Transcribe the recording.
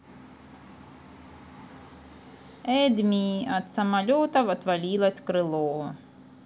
adme от самолетов отвалилось крыло